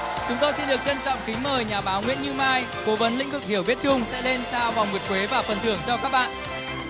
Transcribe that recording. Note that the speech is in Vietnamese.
chúng tôi xin được trân trọng kính mời nhà báo nguyễn như mai cố vấn lĩnh vực hiểu biết chung tay lên sờ vòng nguyệt quế và phần thưởng cho các bạn